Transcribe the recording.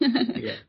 Ie.